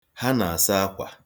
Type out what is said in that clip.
Ha na-asa akwa.